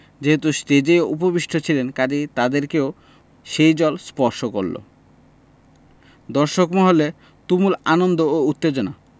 যেহেতু ষ্টেজেই উপবিষ্ট ছিলেন কাজেই তাদেরকেও সেই জল স্পর্শ করল দর্শক মহলে তুমুল আনন্দ ও উত্তেজনা